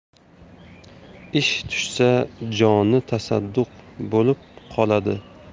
ishi tushsa joni tasadduq bo'lib qoladi